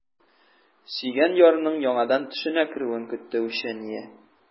Сөйгән ярының яңадан төшенә керүен көтте үчәния.